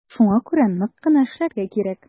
Шуңа күрә нык кына эшләргә кирәк.